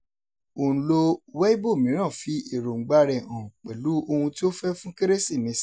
Òǹlo Weibo mìíràn fi èròǹgbàa rẹ̀ hàn pẹ̀lú ohun tí ó fẹ́ fún Kérésìmesì: